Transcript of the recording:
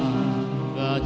voi